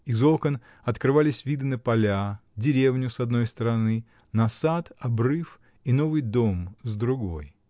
Из окон открывались виды на поля и деревню с одной стороны, на сад, обрыв и новый дом — с другой.